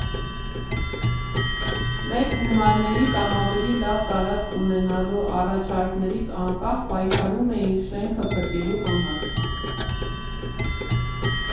Մեծ գումարների կամ ավելի լավ տարածք ունենալու առաջարկներից անկախ պայքարում էինք շենքը փրկելու համար։